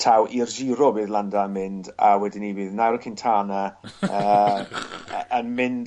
taw i'r Giro bydd Landa yn mynd a wedyn 'ny bydd Nairo Quintana yy y- yn mynd